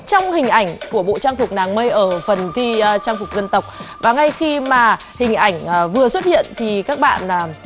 trong hình ảnh của bộ trang phục nàng mây ở phần thi trang phục dân tộc và ngay khi mà hình ảnh vừa xuất hiện thì các bạn làm